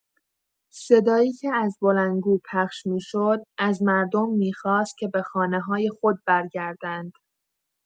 صدایی که از بلندگو پخش می‌شد، از مردم می‌خواست که به خانه‌های خود برگردند.